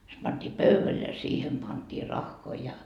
se pantiin pöydälle ja siihen pantiin rahoja ja